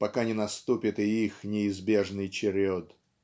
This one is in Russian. пока не наступит и их неизбежный черед.